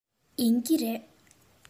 ཡིན གྱི རེད